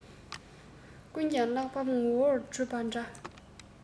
ཀུན ཀྱང གླེགས བམ ངོ བོར གྲུབ པ འདྲ